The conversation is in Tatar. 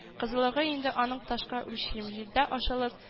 Кызыллыгы инде аның ташка үлчим, җилдә ашалып